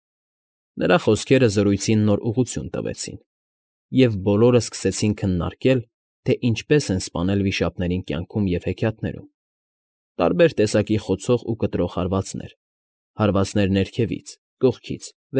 Նրա խոսքերը զրույցին նոր ուղղություն տվեցին և բոլորը սկսեցին քննարկել, թե ինչպես են սպանել վիշապներին կյանքում և հեքիաթներում, տարբեր տեսակի խոցող ու կտրող հարվածներ, հարվածներ ներքևից, կողքից,